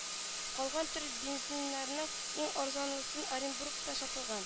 Калган төр бензиннарның иң арзанлысы оренбургта сатылган